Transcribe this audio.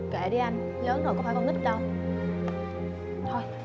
kệ đi anh lớn rồi có phải con nít nữa đâu thôi